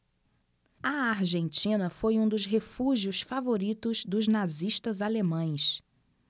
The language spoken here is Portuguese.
a argentina foi um dos refúgios favoritos dos nazistas alemães